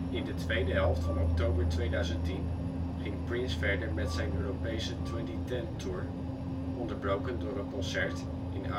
In de tweede helft van oktober 2010 ging Prince verder met zijn Europese 20Ten Tour, onderbroken door een concert in